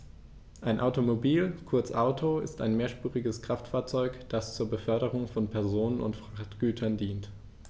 Ein Automobil, kurz Auto, ist ein mehrspuriges Kraftfahrzeug, das zur Beförderung von Personen und Frachtgütern dient.